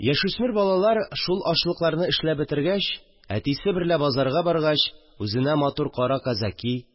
Яшүсмер балалар, шул ашлыкларны эшләп бетергәч, әтисе берлә базарга баргач, үзенә матур кара казаки